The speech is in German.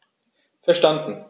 Verstanden.